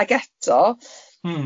Ag eto... Hmm.